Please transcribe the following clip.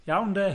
Iawn, de?